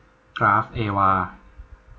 กราฟเอวา